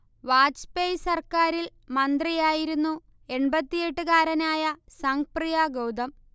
വാജ്പേയ് സർക്കാരിൽ മന്ത്രിയായിരുന്നു എണ്‍പത്തിഎട്ട്കാരനായ സംഗ് പ്രിയ ഗൗതം